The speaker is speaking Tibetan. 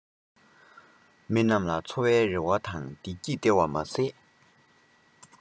ཀྱག ཀྱོག གི ལམ དུ མདུན དུ བསྐྱོད པའི